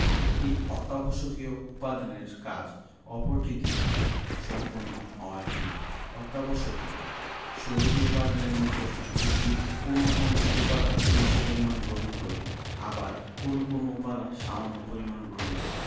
একটি অত্যাবশ্যকীয় উপাদানের কাজ অপরটি দিয়ে সম্পন্ন হয় না অত্যাবশ্যকীয় ১৬ টি উপাদানের মধ্যে উদ্ভিদ কোনো কোনো উপাদান বেশি পরিমাণ গ্রহণ করে আবার কোনো কোনো উপাদান সামান্য পরিমাণ গ্রহণ করে